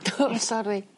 O sori!